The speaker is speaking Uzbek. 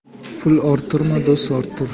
pul orttirma do'st orttir